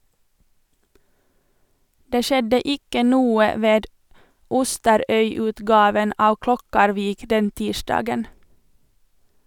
Det skjedde ikke noe ved Osterøyutgaven av Klokkarvik den tirsdagen.